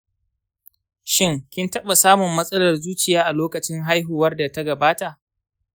shin, kin taɓa samun matsalar zuciya a lokacin haihuwar da ta gabata?